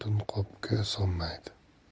butun qopga sig'maydi